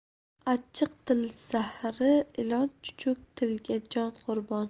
achchiq til zahri ilon chuchuk tilga jon qurbon